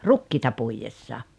rukiita puidessa